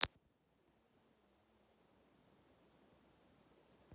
музыка не нужна